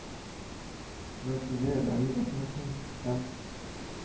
Вәкиле равил әхмәтшин һәм